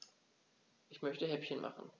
Ich möchte Häppchen machen.